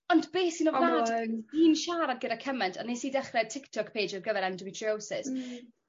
ond be' sy ofnadw... O mae yn. ...fi'n siarad gyda cyment a nes i ddechre Tiktok page or gyfer endometriosis... Hmm. ...